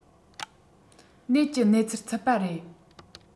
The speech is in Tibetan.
ནད ཀྱི གནས ཚུལ ཚུད པ རེད